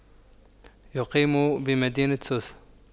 يقيم بمدينة سوسة